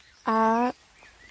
a,